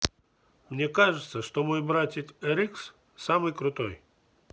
мне кажется что мой братик rx самый крутой